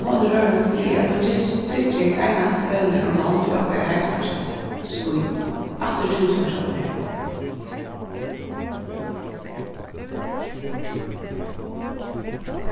og hon í rørinum sigur at mín trygging einans fevnir um lond í okkara heimsparti skít aftur túsund krónur har